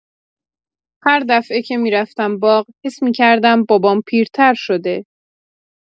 هر دفعه که می‌رفتم باغ، حس می‌کردم بابام پیرتر شده.